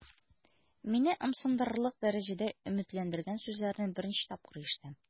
Мине ымсындырырлык дәрәҗәдә өметләндергән сүзләрне беренче тапкыр ишетәм.